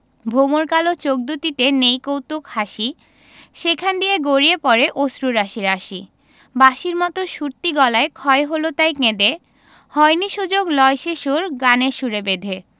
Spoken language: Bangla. ভমর কালো চোখ দুটিতে নেই কৌতুক হাসি সেখান দিয়ে গড়িয়ে পড়ে অশ্রু রাশি রাশি বাঁশির মতো সুরটি গলায় ক্ষয় হল তাই কেঁদে হয়নি সুযোগ লয় সে সুর গানের সুরে বেঁধে